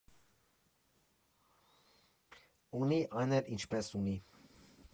Ունի՝ այն էլ ինպես ունի։